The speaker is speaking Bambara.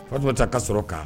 Fa tun bɛ taa ka sɔrɔ kan